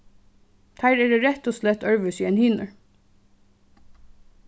teir eru rætt og slætt øðrvísi enn hinir